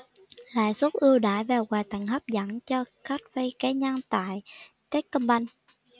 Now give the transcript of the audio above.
lãi suất ưu đãi và quà tặng hấp dẫn cho khách vay cá nhân tại techcombank